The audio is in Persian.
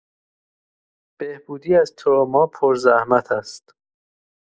بهبودی از تروما پرزحمت است.